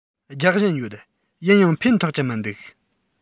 རྒྱག བཞིན ཡོད ཡིན ཡང ཕན ཐོགས ཀྱི མི འདུག